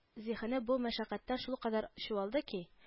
Зиһене бу мәшәкатьтән шулкадәр чуалды ки